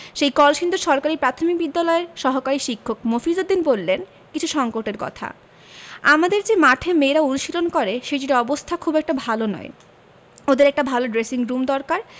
সেই কলসিন্দুর সরকারি প্রাথমিক বিদ্যালয়ের সহকারী শিক্ষক মফিজ উদ্দিন বললেন কিছু সংকটের কথা আমাদের যে মাঠে মেয়েরা অনুশীলন করে সেটির অবস্থা খুব একটা ভালো নয় ওদের একটা ভালো ড্রেসিংরুম দরকার